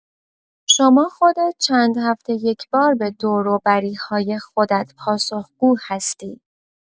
شما خودت چند هفته یک‌بار به دور و بری‌های خودت پاسخگو هستی؟